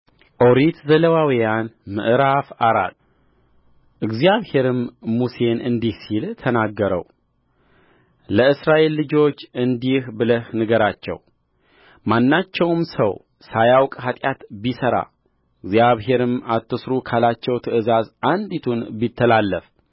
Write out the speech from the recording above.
ኦሪት ዘሌዋውያን ምዕራፍ አራት እግዚአብሔርም ሙሴን እንዲህ ሲል ተናገረውለእስራኤል ልጆች እንዲህ ብለህ ንገራቸው ማናቸውም ሰው ሳያውቅ ኃጢአት ቢሠራ እግዚአብሔርም አትሥሩ ካላቸው ትእዛዛት አንዲቱን ቢተላለፍ